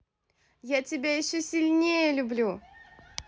я тебя еще сильнее люблю